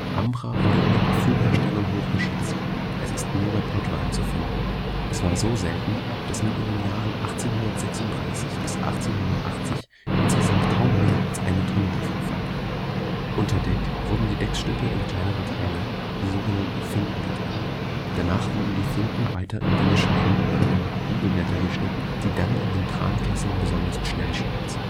Ambra wurde in der Parfümherstellung hochgeschätzt, es ist nur bei Pottwalen zu finden. Es war so selten, dass man in den Jahren 1836 bis 1880 insgesamt kaum mehr als eine Tonne davon fand. Unter Deck wurden die Decksstücke in kleinere Teile, die sogenannten Vinken getrennt. Danach wurden die Vinken weiter in dünne Scheiben (Bibelblätter) geschnitten, die dann in den Trankesseln besonders schnell schmolzen